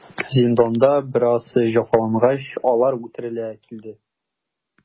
Зинданда бераз җәфалангач, алар үтерелә килде.